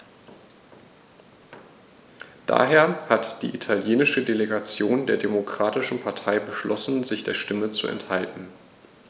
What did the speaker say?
Daher hat die italienische Delegation der Demokratischen Partei beschlossen, sich der Stimme zu enthalten.